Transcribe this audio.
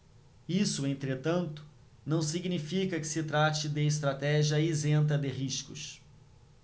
isso entretanto não significa que se trate de estratégia isenta de riscos